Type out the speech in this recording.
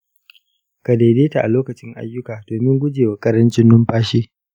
ka daidaita a lokacin ayyuka domin gujewa ƙarancin numfashi.